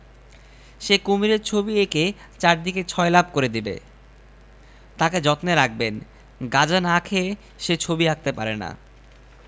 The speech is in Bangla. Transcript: পৌছেই আর্জেন্ট টেলিগ্রাম করলেন সেন্ড মোর মানি ঢাকা পাঠিয়ে দেয়া হল দ্বিতীয় টেলিগ্রাম আজেন্ট চলে এল আর্টিস্ট কামিং. Crocodiles follow